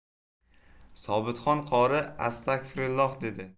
sobitxon qori astag'firulloh